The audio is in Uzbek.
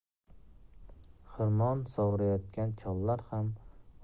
xirmon sovurayotgan chollar ham o'zlarini yigirma